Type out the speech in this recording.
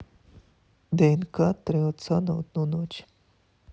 днк три отца на одну дочь